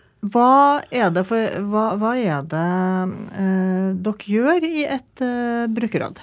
hva er det for hva hva er det dere gjør i et brukerråd?